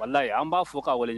Walahi an b'a fo k'a wale